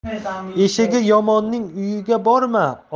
eshigi yomonning uyiga borma